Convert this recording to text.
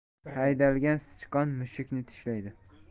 haydalgan sichqon mushukni tishlaydi